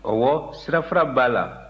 ɔwɔ sirafara b'a la